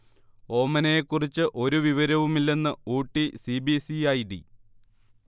ഓമനയെ കുറിച്ച് ഒരു വിവരവുമില്ലെന്ന് Ooty C. B. C. I. D